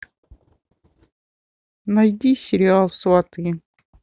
найди сериал сваты